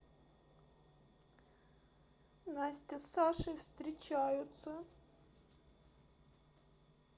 настя с сашей встречаются